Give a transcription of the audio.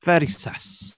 Very sus.